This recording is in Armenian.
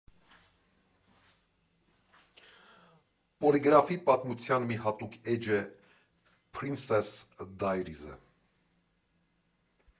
Պոլիգրաֆի պատմության մի հատուկ էջ է Փրինսես Դայրիզը։